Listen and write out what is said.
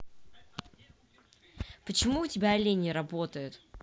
почему у тебя олень не работает